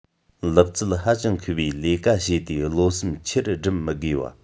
ལག རྩལ ཧ ཅང མཁས པས ལས ཀ བྱེད དུས བློ སེམས ཆེར བསྒྲིམ མི དགོས པ